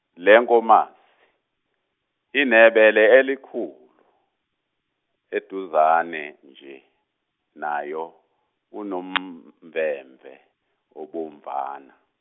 lenkomazi, inebele elikhulu, eduzane nje, nayo, kunomvemve obomvana.